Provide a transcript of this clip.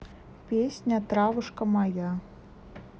песня травушка моя